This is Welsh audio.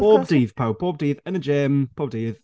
Bob dydd, pawb, bob dydd, yn y gym, pob dydd.